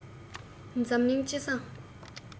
འཛམ གླིང སྤྱི བསང